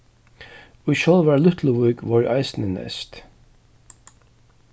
í sjálvari lítluvík vóru eisini neyst